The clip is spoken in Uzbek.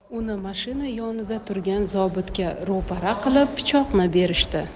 uni mashina yonida turgan zobitga ro'para qilib pichoqni berishdi